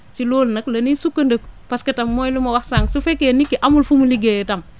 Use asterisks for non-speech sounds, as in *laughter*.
ci loolu nag la ñuy sukkandiku parce que tam mooy lu ma wax sànq *noise* su fekkee nit ki amul fu mu liggéeyee tam